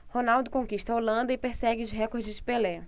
ronaldo conquista a holanda e persegue os recordes de pelé